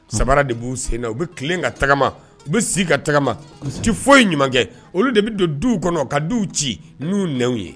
Sabara de b'u sen na u be tilen ŋa tagama u be si ka tagama kosɛbɛ u ti foyi ɲuman kɛ olu de be don duw kɔnɔ ka duw ci n'u nɛnw ye